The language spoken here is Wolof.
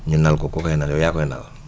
ñu nal ko ku kay nal yow yaa koy nal